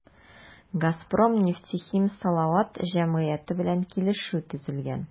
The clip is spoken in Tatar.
“газпром нефтехим салават” җәмгыяте белән килешү төзелгән.